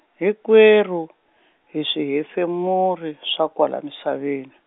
hinkwerhu, hi swihefemuri swa kwala misaveni.